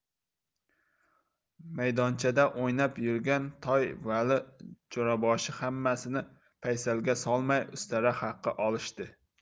maydonchada o'ynab yurgan toy vali jo'raboshi hammasi paysalga solmay ustara haqi olishdi